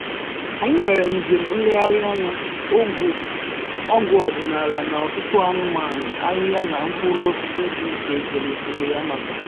Anyị nwere njem nlegharịanya, ọgwụ ọdịnala, na ọtụtụ anụmanụ, ahịhịa na mkpụrụ osisi dị icheiche n'osimiri Amazon.